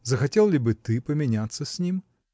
захотел ли бы ты поменяться с ним?